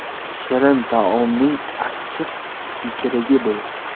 shirin taomning achchiq kekirigi bo'lar